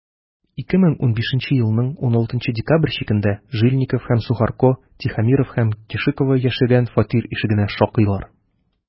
2015 елның 16 декабрь кичендә жильников һәм сухарко тихомиров һәм кешикова яшәгән фатир ишегенә шакыйлар.